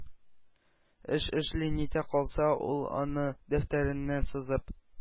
Эш эшли-нитә калса, ул аны дәфтәреннән сызып,